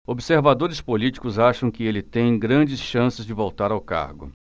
observadores políticos acham que ele tem grandes chances de voltar ao cargo